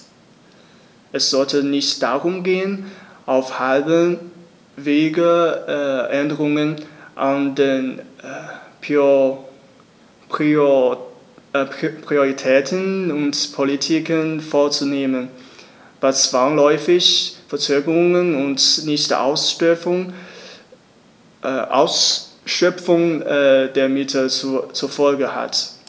Es sollte nicht darum gehen, auf halbem Wege Änderungen an den Prioritäten und Politiken vorzunehmen, was zwangsläufig Verzögerungen und Nichtausschöpfung der Mittel zur Folge hat.